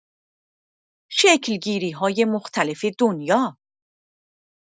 شکل‌گیری‌های مختلف دنیا